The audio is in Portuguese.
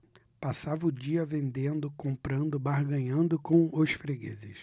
passava o dia vendendo comprando barganhando com os fregueses